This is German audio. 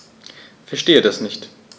Verstehe das nicht.